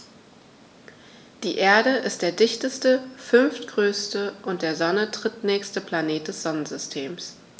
Die Erde ist der dichteste, fünftgrößte und der Sonne drittnächste Planet des Sonnensystems.